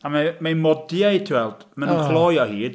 A mae mae modiau, ti weld, maen nhw'n cloi o hyd.